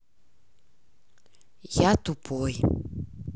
я тупой